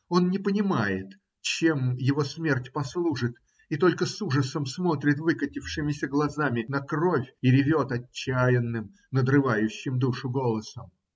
Он не понимает, чему его смерть послужит, и только с ужасом смотрит выкатившимися глазами на кровь и ревет отчаянным, надрывающим душу голосом.